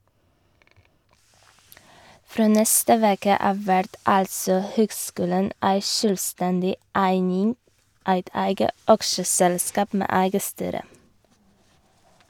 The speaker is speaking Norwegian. Frå neste veke av vert altså høgskulen ei sjølvstendig eining, eit eige aksjeselskap med eige styre.